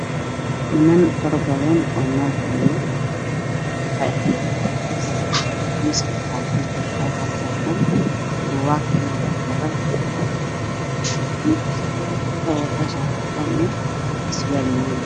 Waa niman aad u faro badan oo fadhiya meel waxaa agyaalo miis waxaa saaran buugaag, laabtoobyo, qalimaan, ninka ugu soo horeeyo waxuu wataa shaati cadaan ah iyo surwaal madow ah.